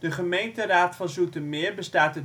gemeenteraad van Zoetermeer bestaat